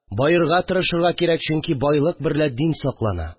Баерга тырышырга кирәк, чөнки байлык берлә дин саклана